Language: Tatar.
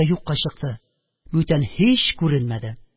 Юкка чыкты, бүтән һич күренмәде